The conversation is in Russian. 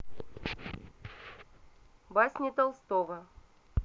басни толстого